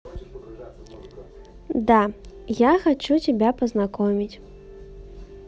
да я хочу тебя познакомить